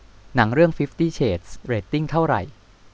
หนังเรื่องฟิฟตี้เชดส์เรตติ้งเท่าไหร่